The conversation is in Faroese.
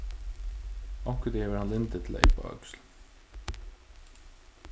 onkuntíð hevur hann lyndi til at yppa øksl